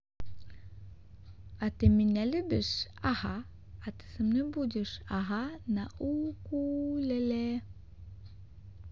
а ты меня любишь ага а ты со мной будешь ага на укулеле